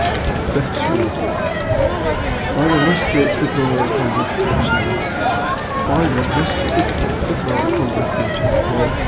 verksmiðjunum áðrenn næsti ídnaðarkollveltingina áðrenn næstu ídnaðarkollveltingin kom